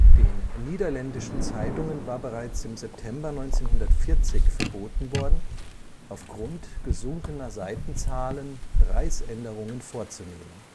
Den niederländischen Zeitungen war bereits im September 1940 verboten worden, aufgrund gesunkener Seitenzahlen Preisänderungen vorzunehmen